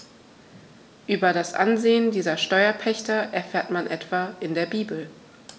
Über das Ansehen dieser Steuerpächter erfährt man etwa in der Bibel.